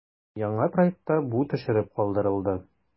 Яңа проектта бу төшереп калдырылды.